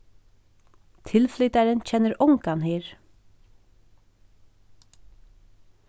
tilflytarin kennir ongan her